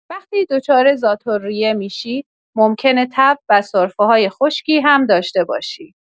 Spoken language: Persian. وقتی دچار ذات‌الریه می‌شی، ممکنه تب و سرفه‌های خشکی هم داشته باشی.